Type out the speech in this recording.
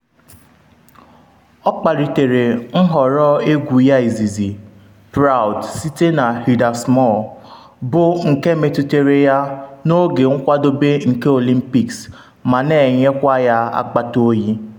Ọ kpalitere nhọrọ egwu ya izizi - Proud site na Heather Small - bụ nke metụtara ya n’oge nkwadobe nke Olympics ma na-enyekwa ya akpata oyi.